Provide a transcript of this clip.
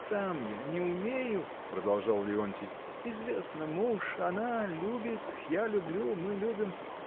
— Сам я не умею, — продолжал Леонтий, — известно, муж — она любит, я люблю, мы любим.